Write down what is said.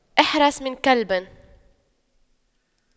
أحرس من كلب